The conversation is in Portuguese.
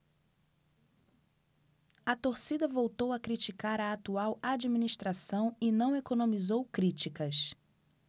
a torcida voltou a criticar a atual administração e não economizou críticas